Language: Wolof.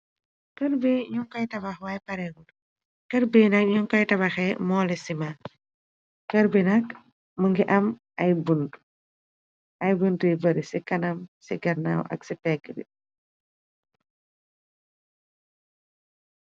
Kër bi nyung koy tabax waay paree gul kër beh nak ñyung koy tabaxe moole sima kër bi nak mu ngi am ay buntu ai buntu you bari ci kanam ci garnaaw ak ci pegg bi.